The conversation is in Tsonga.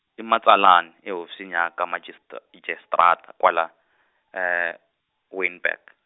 i matsalani ehofisini ya ka majistr- majisitarata kwala, Wynberg.